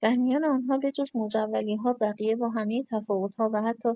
در میان آن‌ها بجز موج اولی‌ها، بقیه با همۀ تفاوت‌ها و حتی